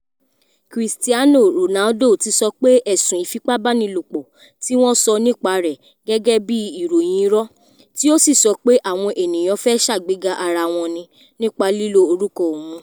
Cristiano Ronaldo ti sọ pé ẹ̀sùn ìfipabanilòpọ̀ ti wọn sọ nípa rẹ̀ gẹ́gẹ́bí i “ìròyìn irọ́,” tí ó sì sọ pé àwọn ènìyàn “fẹ́ ṣàgbéga ara wọn ni” nípa lílo orúkọ òhun.